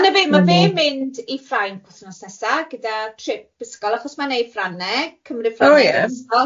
A na fe ma fe'n mynd i Ffrainc wythnos nesa gyda trip ysgol achos mae'n wneud Ffraneg cymryd Ffraneg ysgol.